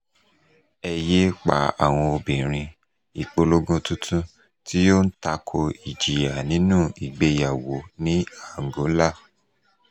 Ẹ Yé é Pa Àwọn Òbìnrin' – ìpolongo tuntun tí ó ń tako ìjìyà inú ìgbéyàwó ní Angola